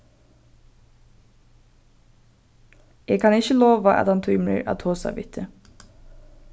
eg kann ikki lova at hann tímir at tosa við teg